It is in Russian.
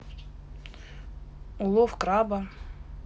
улов краба